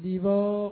I